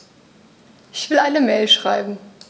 Ich will eine Mail schreiben.